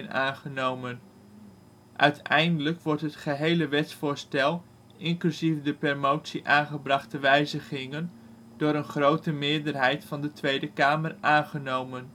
aangenomen. Uiteindelijk wordt het gehele wetsvoorstel, inclusief de per motie aangebrachte wijzigingen, door een grote meerderheid van de Tweede Kamer aangenomen